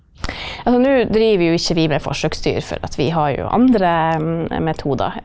altså nå driver jo ikke vi med forsøksdyr for at vi har jo andre metoder.